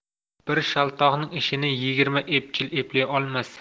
bir shaltoqning ishini yigirma epchil eplay olmas